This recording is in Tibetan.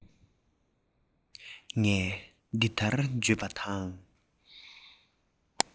ངས འདི ལྟར བརྗོད པ དང